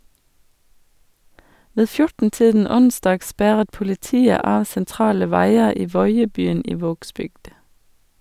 Ved 14 tiden onsdag sperret politiet av sentrale veier i Voiebyen i Vågsbygd.